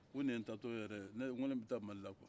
ko nin ye n taatɔ ye ko ne bɛ taa mali la kuwa